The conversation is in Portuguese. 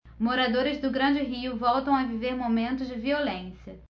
moradores do grande rio voltam a viver momentos de violência